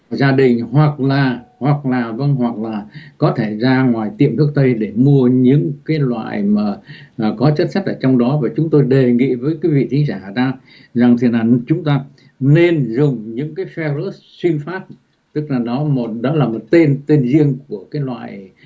gia đình hoặc là hoặc là văn hóa và có thể ra ngoài tiệm thuốc tây để mua những kết luận ảnh m là có chất sắt trong đó với chúng tôi đề nghị với cương vị trí giả đáp rằng thiên ảnh chúng ta nên dùng những cái phe rớt sin phát tức là nó một đã là một tên tên riêng của cái loài